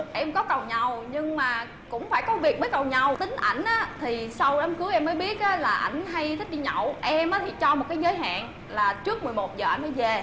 em có càu nhàu nhưng mà cũng phải có việc mới càu nhàu tính ảnh á thì sau đám cưới em mới biết á là ảnh hay thích đi nhậu em á thì cho một cái giới hạn là trước mười một giờ ảnh phải về